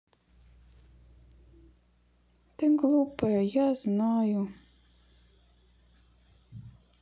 ты глупая я знаю